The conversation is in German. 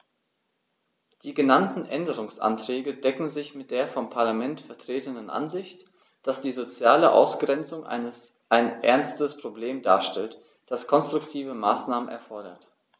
Die genannten Änderungsanträge decken sich mit der vom Parlament vertretenen Ansicht, dass die soziale Ausgrenzung ein ernstes Problem darstellt, das konstruktive Maßnahmen erfordert.